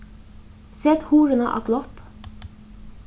set hurðina á glopp